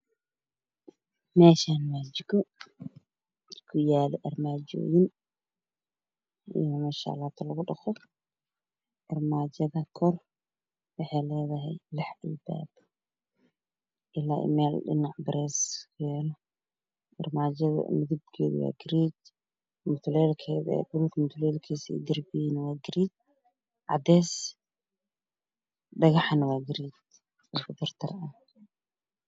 Mashan waa jiko waxaa kuyalo armaajo waxey ladahay lax albaab armaajo kalar kedo waa garay dhulka mutalelk kalar kisi waa garay